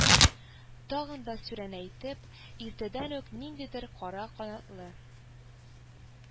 Тагын да сүрәнәйтеп, иртәдән үк ниндидер кара канатлы,